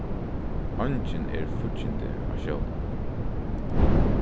eingin er fíggindi á sjónum